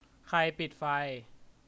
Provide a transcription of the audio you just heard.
ใครปิดไฟ